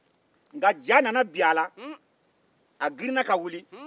nka ja nana bin a la a girinna ka wuli